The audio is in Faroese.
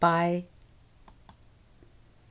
bei